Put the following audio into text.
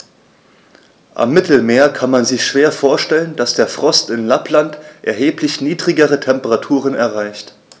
Am Mittelmeer kann man sich schwer vorstellen, dass der Frost in Lappland erheblich niedrigere Temperaturen erreicht.